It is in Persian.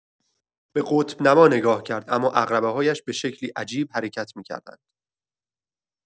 به قطب‌نما نگاه کرد، اما عقربه‌هایش به شکلی عجیب حرکت می‌کردند.